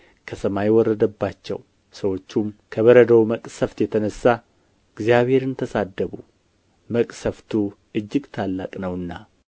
ከሰማይ ወረደባቸው ሰዎቹም ከበረዶው መቅሰፍት የተነሳ እግዚአብሔርን ተሳደቡ መቅሰፍቱ እጅግ ታላቅ ነውና